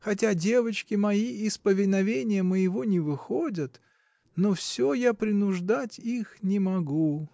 Хотя девочки мои из повиновения моего не выходят, но всё я принуждать их не могу.